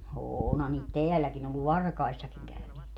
onhan niitä täälläkin ollut varkaissakin käyneet